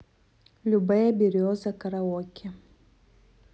любэ береза караоке